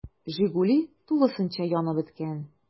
“жигули” тулысынча янып беткән.